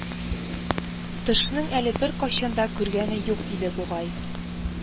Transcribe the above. Тышның әле беркайчан да күргәне юк иде бугай